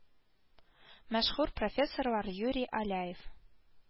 Мәшһүр профессорлар юрий аляев